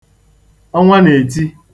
Ọnwa na-eti.